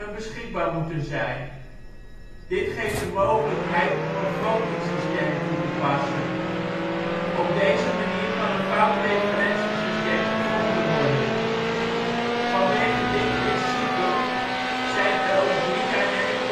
beschikbaar moeten zijn. Dit geeft de mogelijkheid om een voting-systeem toe te passen. Op deze manier kan een fout referentiesysteem gevonden worden. Vanwege dit principe zij er ook drie dynamic positioningcontrol-computers